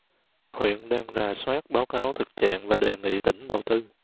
huyện đang rà soát báo cáo thực trạng và đề nghị tỉnh đầu tư